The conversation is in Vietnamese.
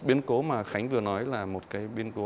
biến cố mà khánh vừa nói là một cái biến cố